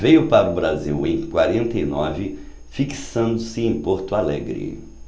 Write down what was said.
veio para o brasil em quarenta e nove fixando-se em porto alegre